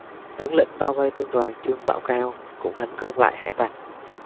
tướng lĩnh bao vây thương đoàn trương bảo cao cũng đánh không lại hải tặc